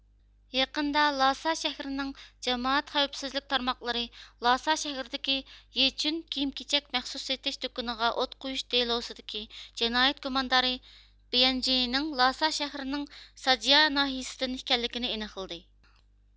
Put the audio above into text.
يېقىندا لاسا شەھىرىنىڭ جامائەت خەۋەپسىزلىك تارماقلىرى لاسا شەھىرىدىكى يىچۈن كىيىم كېچەك مەخسۇس سېتىش دۇككىنىغا ئوت قويۇش دېلوسىدىكى جىنايەت گۇماندارى بيەنجىنىڭ لاسا شەھىرىنىڭ ساجيا ناھىيىسىدىن ئىكەنلىكىنى ئېنىقلىدى